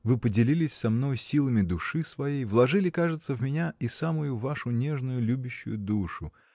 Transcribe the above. Вы поделились со мной силами души своей, вложили, кажется, в меня и самую вашу нежную, любящую душу.